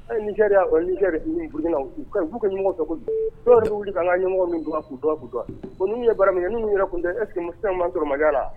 Hali ni' boliina k'u ka ɲɔgɔnmɔgɔ fɛ dɔw' wuli ka an ka ɲɛmɔgɔ min don k'u nu ye bara min ye n yɛrɛ tun eseke sema dɔrɔnmaya la